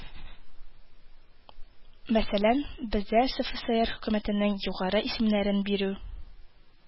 Мәсәлән, бездә РСФСР хөкүмәтенең югары исемнәрен бирү